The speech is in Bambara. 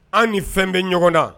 An ni fɛn bɛ ɲɔgɔn na